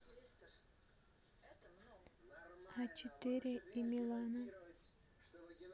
а четыре и милана